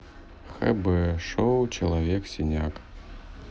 хб шоу человек синяк